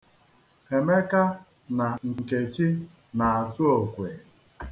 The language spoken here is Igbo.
Emeka na Nkechi na-atụ okwe.